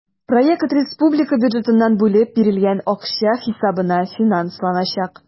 Проект республика бюджетыннан бүлеп бирелгән акча хисабына финансланачак.